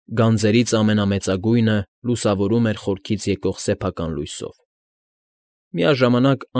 Գանձերից ամենամեծագույնը լուսավորում էր խորքից եկող սեփական լույսով, միաժամանակ,